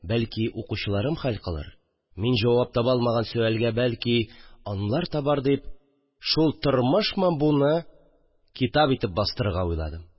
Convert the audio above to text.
Бәлки, укучыларым хәл кылыр, мин җавап таба алмаган сөалгә, бәлки, алар табар дип, шул «тормышмы бу?»ны китап итеп бастырырга уйладым